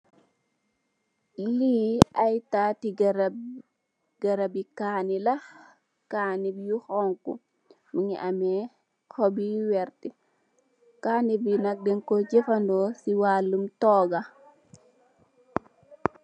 Lii ayy tati garabla garabi kaneh yu xonxu mungi ameh xop yu wert kanebi nak ñinko jefandiko si walum toga.